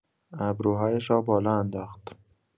ابروهایش را بالا انداخت.